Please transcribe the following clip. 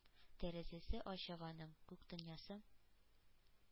Тәрәзәсе ачык аның; күк дөньясы